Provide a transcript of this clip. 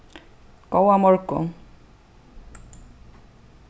góðan morgun